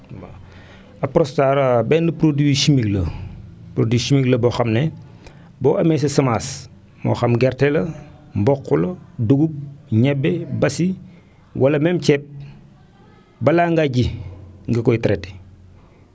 waaw Apronstar benn produit chimique la produit chimique la boo xam ne boo amee sa semence moo xam gerte la mboq la dugub ñebe basi wala même ceeb balaa ngaa ji nga koy traité